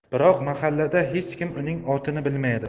biroq mahallada hech kim uning otini bilmaydi